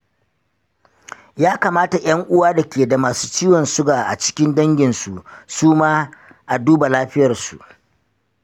ya kamata ’yan uwa da ke da masu ciwon suga a cikin danginsu su ma a duba lafiyarsu.